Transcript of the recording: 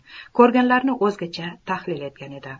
ko'rganlarini o'zgacha tahlil etgan edi